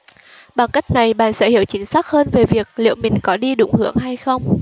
bằng cách này bạn sẽ hiểu chính xác hơn về việc liệu mình có đi đúng hướng hay không